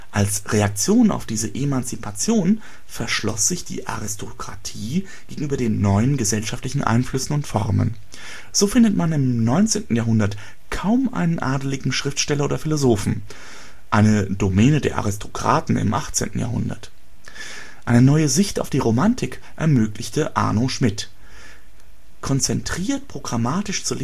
Als Reaktion auf diese Emanzipation verschloss sich die Aristokratie gegenüber den neuen gesellschaftlichen Einflüssen und Formen. So findet man im 19. Jahrhundert kaum einen adeligen Schriftsteller oder Philosophen, eine Domäne der Aristokraten im 18. Jahrhundert. Eine neue Sicht auf die Romantik ermöglichte Arno Schmidt; konzentriert programmatisch zu